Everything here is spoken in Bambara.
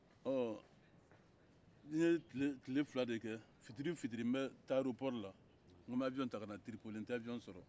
n ye tile fila de kɛ fitiri o fitiri n bɛ taa pankuruntayɔrɔ ko n bɛ awiyɔn ta ka na tiripoli n tɛ awiyɔn sɔrɔ